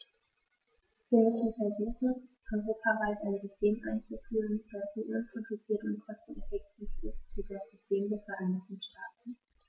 Wir müssen versuchen, europaweit ein System einzuführen, das so unkompliziert und kosteneffektiv ist wie das System der Vereinigten Staaten.